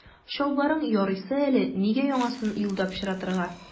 Чалбарың ярыйсы әле, нигә яңасын юлда пычратырга.